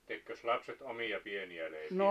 tekikös lapset omia pieniä leipiä